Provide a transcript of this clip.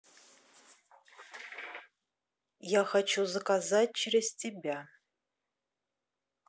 я хочу заказать через тебя